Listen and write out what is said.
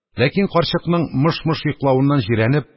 Ләкин карчыкның мыш-мыш йоклавыннан җирәнеп,